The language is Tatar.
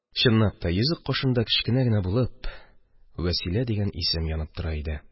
Чынлап та, йөзек кашында кечкенә генә булып «Вәсилә» дигән исем янып тора иде.